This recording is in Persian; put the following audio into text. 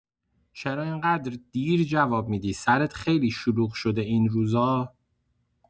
چرا اینقدر دیر جواب می‌دی، سرت خیلی شلوغ شده این روزا؟